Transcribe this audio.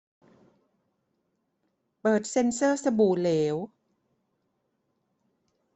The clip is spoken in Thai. เปิดเซ็นเซอร์สบู่เหลว